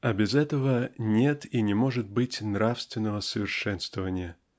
А без этого нет и не может быть нравственного совершенствования.